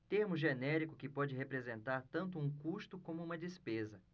termo genérico que pode representar tanto um custo como uma despesa